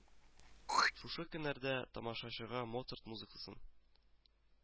Шушы көннәрдә тамашачыга моцарт музыкасын